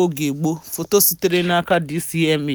oge gboo. Foto sitere n'aka DCMA.